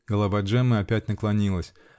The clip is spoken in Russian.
Голова Джеммы опять наклонилась.